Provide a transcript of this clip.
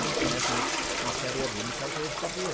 Blinkin' heck mae ma' terrier fi'n byta grapes bob dydd.